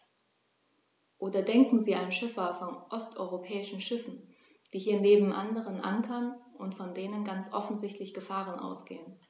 Oder denken Sie an Schiffer von osteuropäischen Schiffen, die hier neben anderen ankern und von denen ganz offensichtlich Gefahren ausgehen.